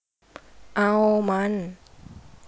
เอามัน